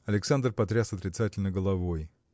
Александр потряс отрицательно головой.